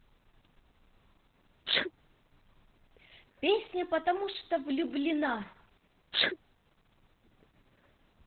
песня потому что влюблена